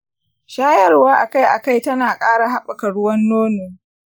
shayarwa akai-akai ta na ƙara haɓaka ruwan-nono